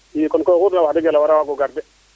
i kon koy oxu refna wax deg fa yala wara waago garder